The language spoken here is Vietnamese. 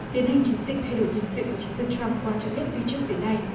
tiến hành chiến dịch thay đổi nhân sự của chính quyền trăm quan trọng nhất từ trước tới nay